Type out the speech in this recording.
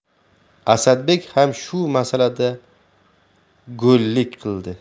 asadbek ham shu masalada go'llik qildi